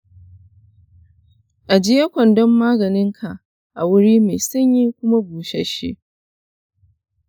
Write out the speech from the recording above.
ajiye kwandon maganinka a wuri mai sanyi kuma bushashe.